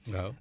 waaw